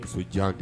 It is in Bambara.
Muso jan de